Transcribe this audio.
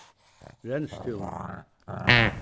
reynstún